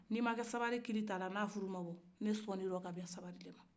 ni ma sabali kiri ta ne ka furu ma bɔ ne sɔnna e la ka bɛn sabali ma